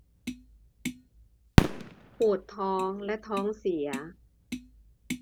ปวดท้องและท้องเสีย